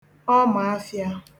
ọmàafịā